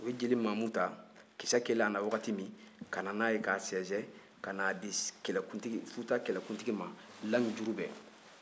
u ye jeli maamu ta kisɛ kɛlen a la waati min ka na n'a ye k'a sɛnsɛn ka n'a di futa kɛlɛkuntigi ma lami jurubɛ